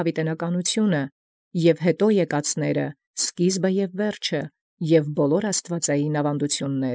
Յաւիտենիցն, և ապա եկելոցն, սկզբանն և կատարածի, և ամենայն աստուածատուր աւանդութեանցն։